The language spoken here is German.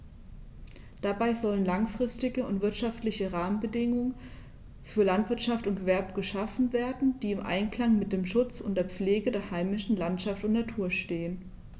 Dabei sollen langfristige und wirtschaftliche Rahmenbedingungen für Landwirtschaft und Gewerbe geschaffen werden, die im Einklang mit dem Schutz und der Pflege der heimischen Landschaft und Natur stehen.